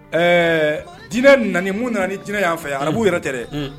Ɛɛ dinɛ nani mun nana ni dinɛ ye anw fɛ yan, Arabu yɛrɛ tɛ dɛ